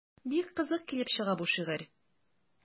Бик кызык килеп чыга бу шигырь.